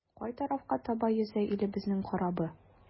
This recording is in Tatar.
Кай тарафка таба йөзә илебезнең корабы?